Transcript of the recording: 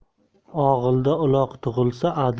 og'ilda uloq tug'ilsa adir